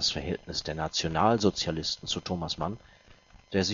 Verhältnis der Nationalsozialisten zu Thomas Mann, der